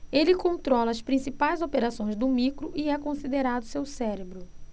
ele controla as principais operações do micro e é considerado seu cérebro